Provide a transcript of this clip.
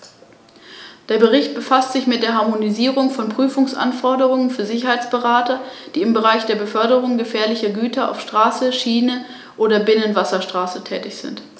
Ich danke Frau Schroedter für den fundierten Bericht.